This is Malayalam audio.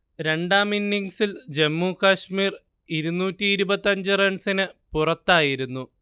രണ്ടാം ഇന്നിങ്സിൽ ജമ്മു കശ്മീർ ഇരുന്നൂറ്റിഇരുപത്തഞ്ച് റൺസിന് പുറത്തായിരുന്നു